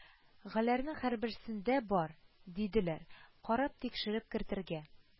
Геләрнең һәрберсендә бар, диделәр, карап-тикшереп кертергә